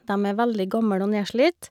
Dem er veldig gammel og nedslitt.